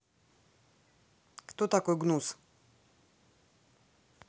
кто такой гнус